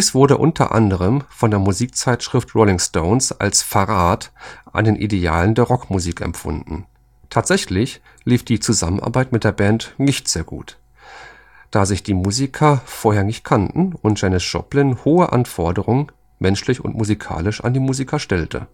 wurde unter anderem von der Musikzeitschrift Rolling Stone als Verrat an den Idealen der Rockmusik empfunden. Tatsächlich lief die Zusammenarbeit in der Band nicht sehr gut, da sich die Musiker vorher nicht kannten und Janis Joplin hohe Anforderungen - menschlich wie musikalisch - an die Musiker stellte